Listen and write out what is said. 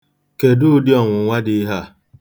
Kedụ ụdị ọnwụnwa dị ihe a?